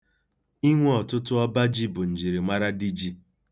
Inwe ọtụtụ ọba ji bụ njirimara diji.